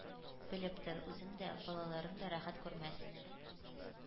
Белеп тор: үзең дә, балаларың да рәхәт күрмәс...“